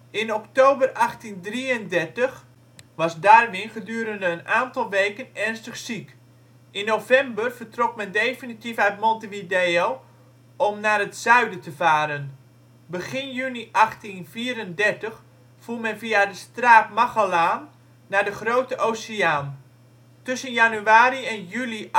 In oktober 1833 was Darwin gedurende een aantal weken ernstig ziek. In november vertrok men definitief uit Montevideo om naar het zuiden te varen. Begin juni 1834 voer men via de Straat Magellaan naar de Grote Oceaan. Tussen januari en juli